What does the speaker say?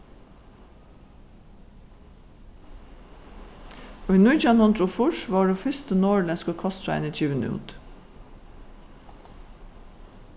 í nítjan hundrað og fýrs vórðu fyrstu norðurlendsku kostráðini givin út